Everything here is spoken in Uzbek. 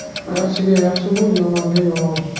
yaxshiga yaxshi bo'l yomonga yomon